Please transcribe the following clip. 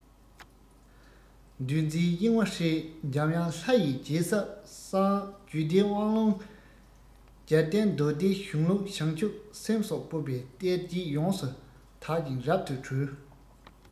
འདུ འཛིའི གཡེང བ ཧྲིལ འཇམ དབྱངས ལྷ ཡིས རྗེས ཟབ གསང རྒྱུད སྡེའི དབང ལུང རྒྱལ བསྟན མདོ སྡེའི གཞུང ལུགས བྱང ཆུབ སེམས སོགས སྤོབས པའི གཏེར བརྒྱད ཡོངས སུ དག ཅིང རབ ཏུ གྲོལ